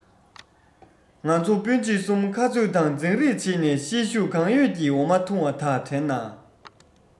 ང ཚོ སྤུན མཆེད གསུམ ཁ རྩོད དང འཛིང རེས བྱེད ནས ཤེད ཤུགས གང ཡོད ཀྱིས འོ མ འཐུང བ དག དྲན ན